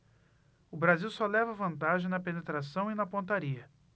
o brasil só leva vantagem na penetração e na pontaria